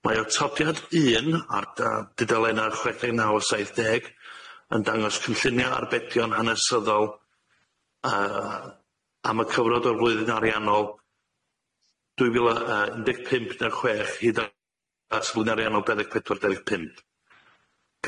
Mae otodiad un ar da- dudalenna chwech deg naw a saith deg yn dangos cynllunio arbedion hanesyddol yy am y cyfnod o'r flwyddyn ariannol dwy fil a- yy un deg pump unde' chwech hyd at flwyddyn ariannol dau ddeg pedwar dau ddeg pump.